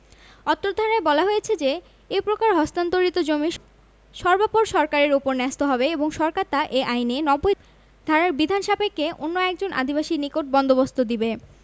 অত্র ধারায় বলা হয়েছে যে এ প্রকার হস্তান্তরিত জমি সর্বাপর সরকারের ওপর ন্যস্ত হবে এবং সরকার তা এ আইনের ৯০ ধারারবিধান সাপেক্ষে অন্য একজন আদিবাসীর নিকট বন্দোবস্ত দেবে